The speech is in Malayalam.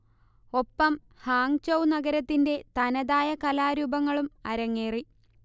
ഒപ്പം ഹ്വാങ്ചൗ നഗരത്തിന്റെ തനതായ കലാരൂപങ്ങളും അരങ്ങേറി